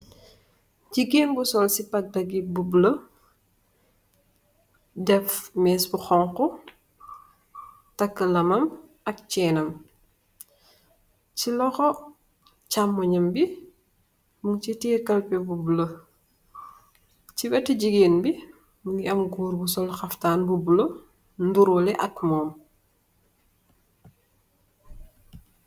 Jigéen bu sol sippa ak daggit bu bulo, def méés bu xoñgu, takkë lamam ak ceenam. Ci loxo chaamoyam bi, mung ci tiye kalpe bu bulo. Ci weeti jigéen bi, mu ngi goor bu sol khaftaan bu bulo, niroole ak mom.